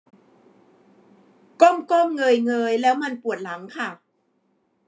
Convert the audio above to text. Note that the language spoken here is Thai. ก้มก้มเงยเงยแล้วมันปวดหลังค่ะ